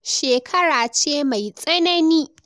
Shekara ce mai tsanani.